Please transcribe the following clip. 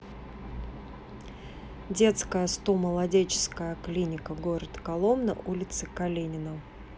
детское сто молодеческая клиника город коломна улица калинина